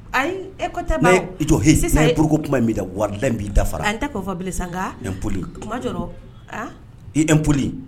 Ayi e jɔ sisanuru kuma min da wari n b'i dafaraolioli